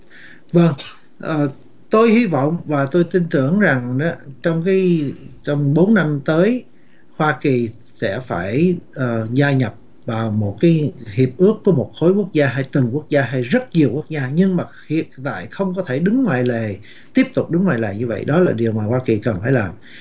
vâng à tôi hy vọng và tôi tin tưởng rằng đó trong cái trong bốn năm tới hoa kỳ sẽ phải ờ gia nhập vào một cái hiệp ước của một khối quốc gia hay từng quốc gia hay rất nhiều quốc gia nhưng mà hiện tại không có thể đứng ngoài lề tiếp tục đứng ngoài là như vậy đó là điều mà hoa kỳ cần phải làm